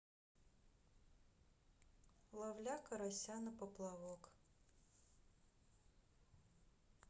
ловля карася на поплавок